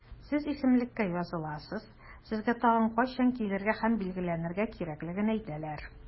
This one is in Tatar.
Сез исемлеккә языласыз, сезгә тагын кайчан килергә һәм билгеләнергә кирәклеген әйтәләр.